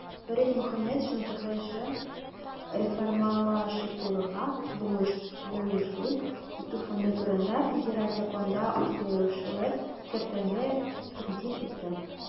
Фәрит Мөхәммәтшин "ТКҖ реформалаштыруга булышлык итү фонды турында" Федераль законга үзгәрешләр кертергә тәкъдим итә.